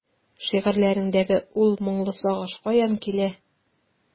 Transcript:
Шигырьләреңдәге ул моңлы сагыш каян килә?